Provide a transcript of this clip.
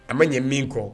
A man ɲɛ min kɔ